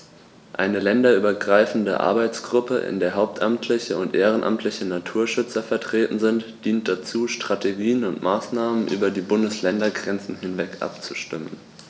Eine länderübergreifende Arbeitsgruppe, in der hauptamtliche und ehrenamtliche Naturschützer vertreten sind, dient dazu, Strategien und Maßnahmen über die Bundesländergrenzen hinweg abzustimmen.